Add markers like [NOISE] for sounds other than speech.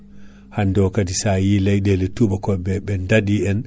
e kaadi contre saison o ina mbawa dañde Aprostar mo kutori [BREATH]